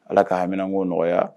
Ala k ka haminan ko nɔgɔya